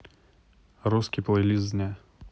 русский плейлист дня